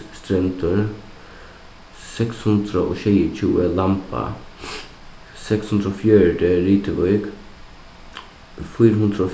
strendur seks hundrað og sjeyogtjúgu lamba seks hundrað og fjøruti rituvík fýra hundrað og